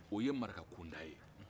o ye maraka kunda ye